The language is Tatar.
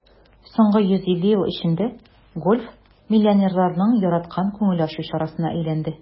Соңгы 150 ел эчендә гольф миллионерларның яраткан күңел ачу чарасына әйләнде.